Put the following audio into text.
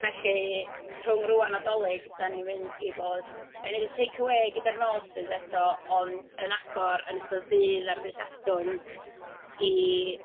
Felly, rhwng rŵan a 'Dolig dan ni'n mynd i fod yn wneud y tecawê gyda'r nosys eto, ond yn agor yn ystod dydd ar ddydd Sadwn i...